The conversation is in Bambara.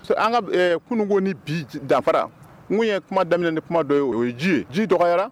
An ka kunun ko ni bi dafafara n ye kuma daminɛ ni kuma dɔ o ye ji ye ji dɔgɔyara